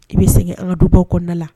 I bɛ segin an ka dubaw kɔnɔna la